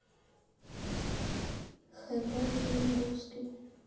хб фильм русский